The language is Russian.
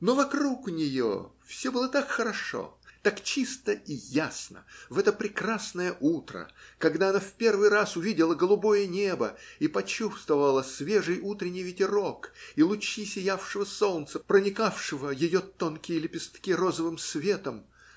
Но вокруг нее все было так хорошо, так чисто и ясно в это прекрасное утро, когда она в первый раз увидела голубое небо и почувствовала свежий утренний ветерок и лучи сиявшего солнца, проникавшего ее тонкие лепестки розовым светом